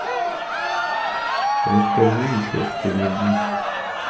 расскажи еще что нибудь